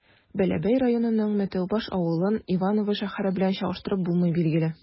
Бәләбәй районының Мәтәүбаш авылын Иваново шәһәре белән чагыштырып булмый, билгеле.